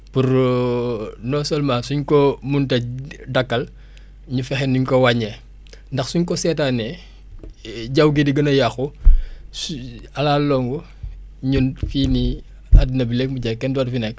pour non seulement suñ ko munut a dakkal énu fexe nuñ ko wàññee ndax suñ ko seetaanee jaww gi di gën a yàqu su à la longue ñun fii nii addina bi léegi mu jeex kenn dootu fi nekk